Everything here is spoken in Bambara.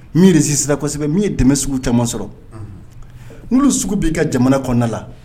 Miiri resister la kosɛbɛ, min ye dɛmn sugu caaman sɔrɔ, unhun, ninnu sugu b'i ka jamana kɔnɔnada la.